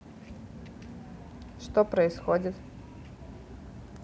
что происходит